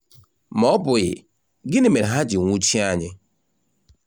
Ma ọ bụghị, gịnị mere ha jiri nwụchie anyị?